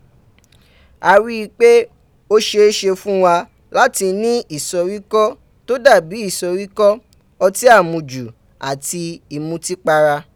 A rí i pé ó ṣeé ṣe fún wa láti ní ìsoríkọ́ tó dà bí ìsoríkọ́, ọtí àmujù àti ìmutípara.